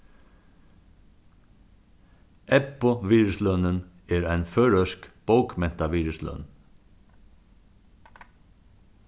ebbu-virðislønin er ein føroysk bókmentavirðisløn